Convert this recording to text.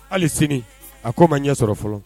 Hali sini a ko ma ɲɛ sɔrɔ fɔlɔ